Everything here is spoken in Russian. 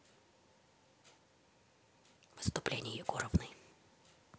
выступление егоровной